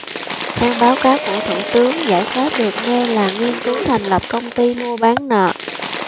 theo báo cáo của thủ tướng giải pháp được nêu là nghiên cứu thành lập công ty mua bán nợ